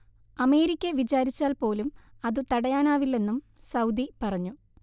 America വിചാരിച്ചാൽ പോലും അതു തടയാനാവില്ലെന്നും സൗദി പറഞ്ഞു